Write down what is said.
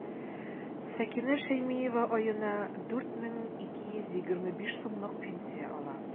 Сәкинә Шәймиева аена 4 мең 225 сумлык пенсия ала.